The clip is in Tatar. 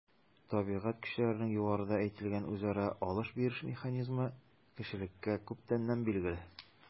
Табигать көчләренең югарыда әйтелгән үзара “алыш-биреш” механизмы кешелеккә күптәннән билгеле.